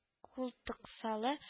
Култыксалы